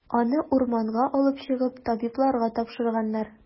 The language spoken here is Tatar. Аны урамга алып чыгып, табибларга тапшырганнар.